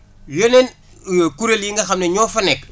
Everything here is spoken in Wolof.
yeneen kuréel yi nga xam ne ñoo fa nekk